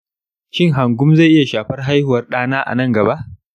shin hangum zai iya shafar haihuwar ɗana a nan gaba?